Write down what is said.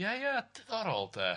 Ie ie diddorol de.